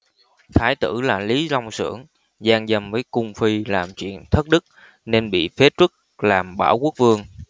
thái tử là lý long xưởng gian dâm với cung phi làm chuyện thất đức nên bị phế truất làm bảo quốc vương